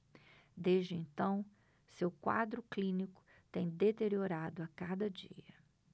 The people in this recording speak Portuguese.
desde então seu quadro clínico tem deteriorado a cada dia